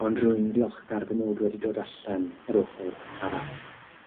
Ond rwy'n ddiolchgar fy mod wedi dod allan yr ochor arall.